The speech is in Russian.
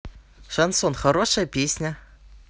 шансон хорошая песня